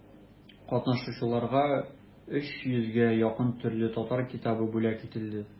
Катнашучыларга өч йөзгә якын төрле татар китабы бүләк ителде.